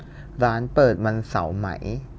ร้านเปิดวันเสาร์ไหม